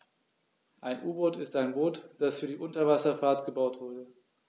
Ein U-Boot ist ein Boot, das für die Unterwasserfahrt gebaut wurde.